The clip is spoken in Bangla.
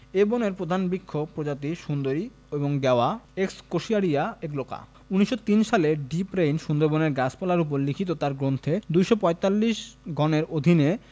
এ বনের প্রধান বৃক্ষ প্রজাতি সুন্দরী এবং গেওয়া এক্সকোসিয়ারিয়া অ্যাগলোকা ১৯০৩ সালে ডি. প্রেইন সুন্দরবনের গাছপালার উপর লিখিত তাঁর গ্রন্থে ২৪৫ গণের অধীনে